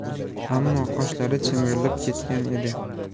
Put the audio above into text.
ammo qoshlari chimirilib ketgan edi